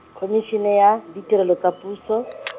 Khomisene ya, Ditirelo tsa Puso .